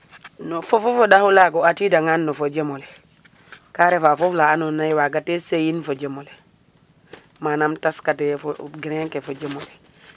Non foofi foɗaxu olaga o atiidangan no fo jem ole ka refa foof la andoona yee waaga te seeyin fo jem ole manam taskatee grain ke fo jem ole